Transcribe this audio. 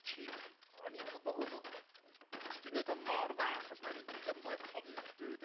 ti'n m- o'n i'n meddwl bod hwnnw yy... ti di wneud o mor dda, achos mae'n mynd yn gymhleth ofnadwy wedyn,